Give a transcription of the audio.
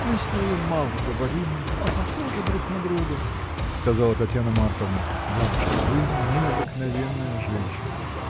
Мы с нею мало говорим, а похожи друг на друга! — сказала Татьяна Марковна. — Бабушка! вы необыкновенная женщина!